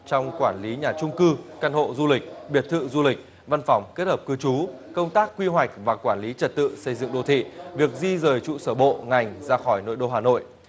trong quản lý nhà chung cư căn hộ du lịch biệt thự du lịch văn phòng kết hợp cư trú công tác quy hoạch và quản lý trật tự xây dựng đô thị việc di dời trụ sở bộ ngành ra khỏi nội đô hà nội